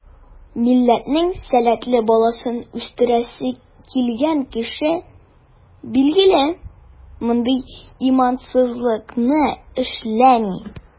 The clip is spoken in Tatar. Милләтнең сәләтле баласын үстерәсе килгән кеше, билгеле, мондый имансызлыкны эшләми.